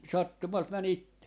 sattumalta meni itse